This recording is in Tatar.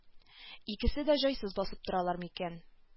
Икесе дә җайсыз басып торалар икән